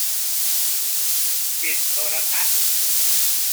ปิดโทรทัศน์